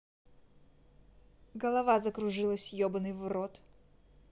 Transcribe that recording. голова закружилась ебаный в рот